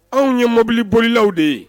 Anw ye mobilib bolilaw de ye